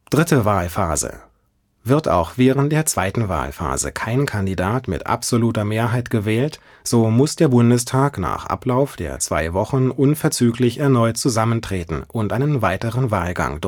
Dritte Wahlphase: Wird auch während der zweiten Wahlphase kein Kandidat mit absoluter Mehrheit gewählt, so muss der Bundestag nach Ablauf der zwei Wochen unverzüglich erneut zusammentreten und einen weiteren Wahlgang